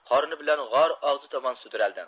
qorni bilan g'or og'zi tomon sudraldi